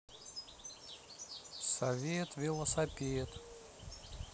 совет велосапед